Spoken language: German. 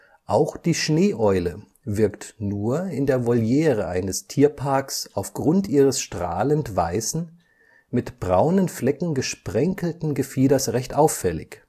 Auch die Schnee-Eule wirkt nur in der Voliere eines Tierparks aufgrund ihres strahlend weißen, mit braunen Flecken gesprenkelten Gefieders recht auffällig